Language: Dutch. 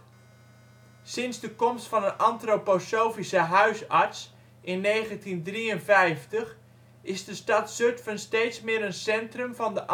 Sinds de komst van een antroposofische huisarts in 1953 is de stad Zutphen steeds meer een centrum van de